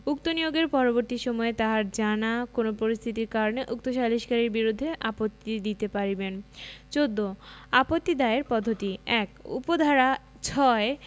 উক্ত নিয়োগের পরবর্তি সময়ে তাহার জানা কোন পরিস্থিতির কারণে উক্ত সালিসকারীর বিরুদ্ধে আপত্তি দিতে পারিবেন ১৪ আপত্তি দায়ের পদ্ধতিঃ ১ উপ ধারা ৬